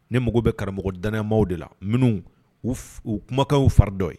Ne mago bɛ karamɔgɔ dan maaw de la minnu uu kumakanw fari dɔ ye